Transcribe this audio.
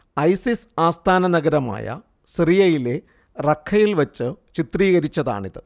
ISIS ആസ്ഥാന നഗരമായ സിറിയയിലെ റഖ്ഖയിൽ വച്ച് ചിത്രീകരിച്ചതാണിത്